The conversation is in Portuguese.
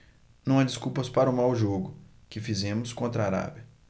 não há desculpas para o mau jogo que fizemos contra a arábia